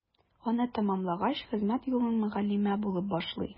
Аны тәмамлагач, хезмәт юлын мөгаллимә булып башлый.